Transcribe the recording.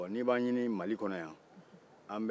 n'i b'an ɲini mali kɔnɔ yan an bɛ kafo sabanan na